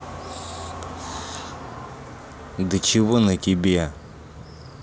да чего на тебя